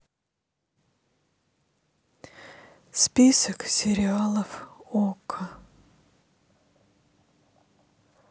список сериалов окко